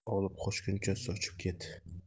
olib qochguncha sochib ket